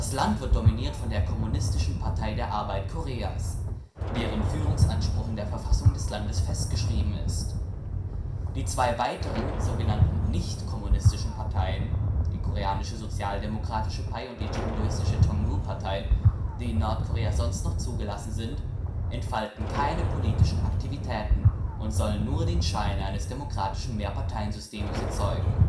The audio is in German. Land wird dominiert von der kommunistischen Partei der Arbeit Koreas (Abkürzung PdAK), deren Führungsanspruch in der Verfassung des Landes festgeschrieben ist. Die zwei weiteren so genannten „ nichtkommunistischen “Parteien (die Koreanische Sozialdemokratische Partei und die Chondoistische Ch’ ŏngu-Partei), die in Nordkorea sonst noch zugelassen sind, entfalten keine politischen Aktivitäten und sollen nur den Schein eines demokratischen Mehrparteiensystems erzeugen